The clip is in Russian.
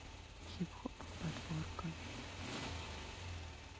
хип хоп подборка